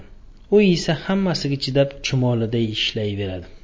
u esa hammasiga chidab chumoliday ishlayveradi